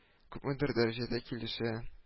Күпмедер дәрәҗәдә килешә